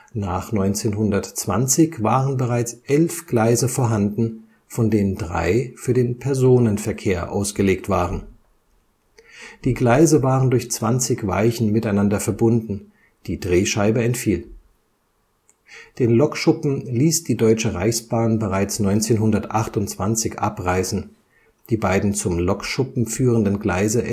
Nach 1920 waren bereits 11 Gleise vorhanden, von denen drei für den Personenverkehr ausgelegt waren. Die Gleise waren durch 20 Weichen miteinander verbunden, die Drehscheibe entfiel. Den Lokschuppen ließ die Deutsche Reichsbahn bereits 1928 abreißen, die beiden zum Lokschuppen führenden Gleise